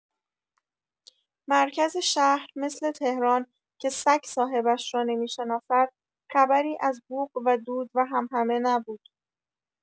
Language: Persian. مرکز شهر مثل تهران که سگ صاحبش را نمی‌شناسد، خبری از بوق و دود و همهمه نبود.